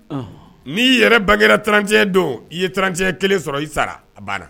Ɔnhɔn. N'i yɛrɛ bangera 31 don, i ye 31 kelen sɔrɔ, i sara a banna.